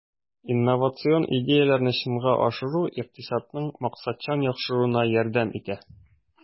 Инновацион идеяләрне чынга ашыру икътисадның максатчан яхшыруына ярдәм итә.